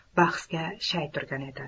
bahsga shay turgan edi